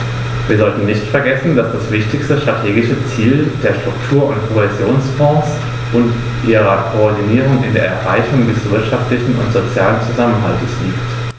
Wir sollten nicht vergessen, dass das wichtigste strategische Ziel der Struktur- und Kohäsionsfonds und ihrer Koordinierung in der Erreichung des wirtschaftlichen und sozialen Zusammenhalts liegt.